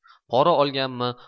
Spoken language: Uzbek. pora olganmi